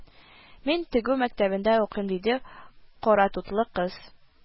Мин тегү мәктәбендә укыйм, диде каратутлы кыз